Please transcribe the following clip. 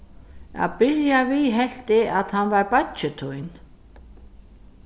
at byrja við helt eg at hann var beiggi tín